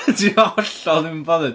Ti'n hollol ddim yn bothered.